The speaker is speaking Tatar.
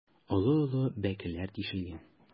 Олы-олы бәкеләр тишелгән.